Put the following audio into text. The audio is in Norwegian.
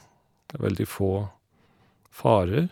Det er veldig få farer.